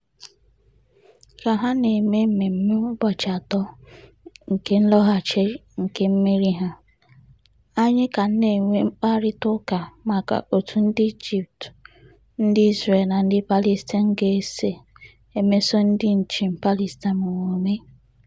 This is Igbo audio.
Ka ha na-eme mmemme ụbọchị 3 nke nlọghachi nke mmeri ha, anyị ga na-enwe mkparịtaụka maka otú ndị Egypt, ndị Israel na ndị Palestine ga-esi emeso ndị njem Palestine omume.